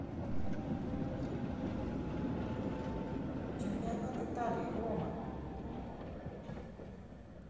чемпионат италии рома